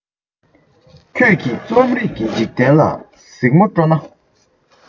ཁྱོད ཀྱིས རྩོམ རིག གི འཇིག རྟེན ལ གཟིགས མོ སྤྲོ ན